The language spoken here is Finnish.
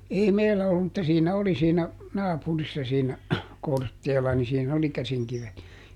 ei meillä ollut mutta siinä oli siinä naapurissa siinä Kortteella niin siinä oli käsinkivet ja